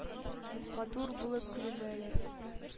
Матур булып күренәләр.